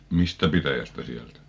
mistä pitäjästä sieltä